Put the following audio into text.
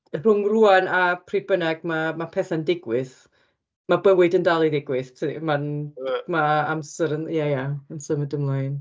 Rhwng rŵan a pryd bynnag ma' ma' pethau'n digwydd. Mae bywyd yn dal i ddigwydd tydi. Ma'n ma' amser yn ia ia yn symud ymlaen.